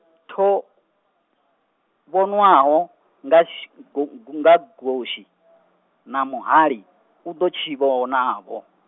tho vhonwaho, nga nga gosi na muhali, u ḓo tshi vhonavho.